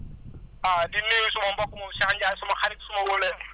ah di nuyu suma mbokk moomu Cheikh Ndiaye suma xarit suma wóllare